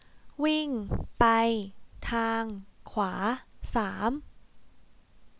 วิ่งไปทางขวาสาม